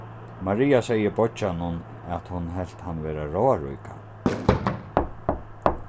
maria segði beiggjanum at hon helt hann vera ráðaríkan